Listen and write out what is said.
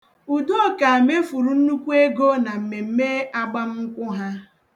Udoka mefuru nnukwu ego na mmemme agbamnkwụ ha.